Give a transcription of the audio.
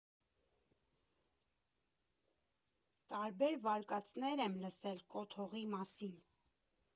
Տարբեր վարկածներ եմ լսել կոթողի մասին։